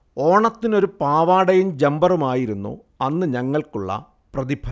ഓണത്തിനൊരു പാവാടയും ജംബറുമായിരുന്നു അന്നു ഞങ്ങൾക്കുള്ള പ്രതിഫലം